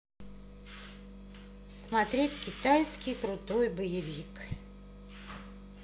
смотреть китайский крутой боевик